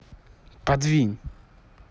подвинь